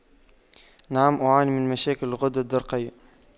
نعم أعاني من مشاكل الغدة الدرقية